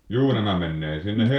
juu nämä menee sinne -